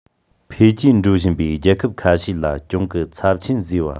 འཕེལ རྒྱས འགྲོ བཞིན པའི རྒྱལ ཁབ ཁ ཤས ལ གྱོང གུན ཚབས ཆེན བཟོས པ